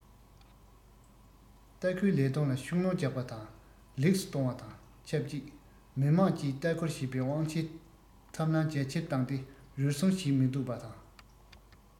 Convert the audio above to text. ལྟ སྐུལ ལས དོན ལ ཤུགས སྣོན རྒྱག པ དང ལེགས སུ གཏོང བ དང ཆབས ཅིག མི དམངས ཀྱིས ལྟ སྐུལ བྱེད པའི དབང ཆའི ཐབས ལམ རྒྱ ཆེར བཏང སྟེ རུལ སུངས བྱེད མི འདོད པ དང